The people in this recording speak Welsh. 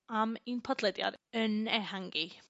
am un podlediad yn ehangu.